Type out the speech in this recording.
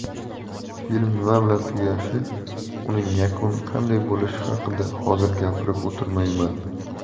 film nima bilan tugashi uning yakuni qanday bo'lishi haqida hozir gapirib o'tirmayman